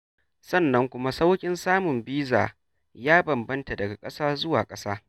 Sannan kuma sauƙin samun biza ya bambamta daga ƙasa zuwa ƙasa.